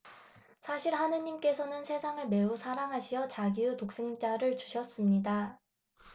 사실 하느님께서는 세상을 매우 사랑하시어 자기의 독생자를 주셨습니다